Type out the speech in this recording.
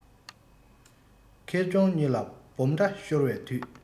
ཁེ གྱོང གཉིས ལ སྦོམ ཕྲ ཤོར བའི དུས